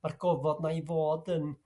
Ma'r gofod 'na i fod yn